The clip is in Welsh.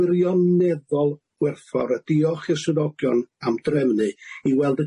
wirioneddol werthfawr a diolch i'r swyddogion am drefnu i weld